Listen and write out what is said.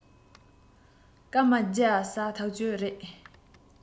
སྐར མ བརྒྱ ཟ ཐག གཅོད རེད